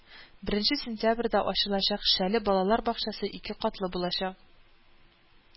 Беренче сентябрьда ачылачак шәле балалар бакчасы ике катлы булачак